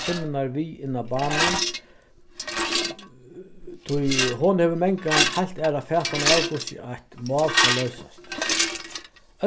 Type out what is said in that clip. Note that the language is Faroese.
kvinnurnar við inn á banan tí hon hevur mangan heilt aðra fatan av hvussu eitt mál skal loysast